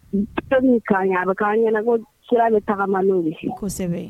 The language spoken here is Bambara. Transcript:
,kosɛbɛ